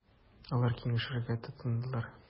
Алар киңәшергә тотындылар.